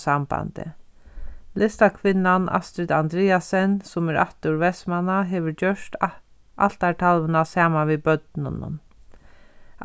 sambandi listakvinnan astrid andreassen sum er ættað úr vestmanna hevur gjørt altartalvuna saman við børnunum